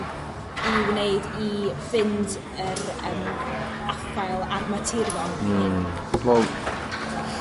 'i wneud i fynd yr yym affael â'r matirion hyn? Hmm, wel